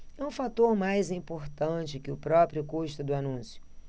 é um fator mais importante que o próprio custo do anúncio